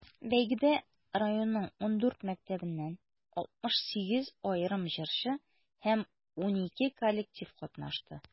Бәйгедә районның 14 мәктәбеннән 68 аерым җырчы һәм 12 коллектив катнашты.